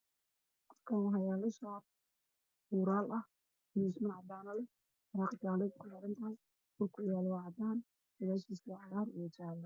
Halkaan waxaa yaalo shaar muraal ah oo guluusman cadaan ah leh, warqad cadaan ku xiran tahay, meesha uu yaalo waa cadaan, gadaashiisana waa cagaar iyo jaale.